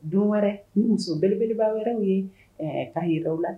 Don wɛrɛ ni muso bɛɛelebelebaa wɛrɛw ye k'a jiraw la